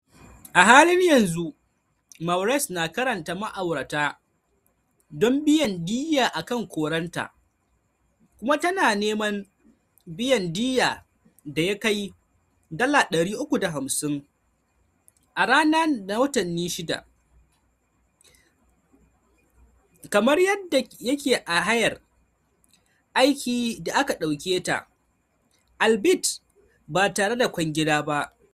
A halin yanzu, Maurice na karan ma'aurata don biyan diyya a kan koranta, kuma tana neman biyan diya da ya kai $ 350 a rana na watanni shida, kamar yadda yake a hayar aikin da aka dauke ta tayi, albeit ba tare da kwangila ba.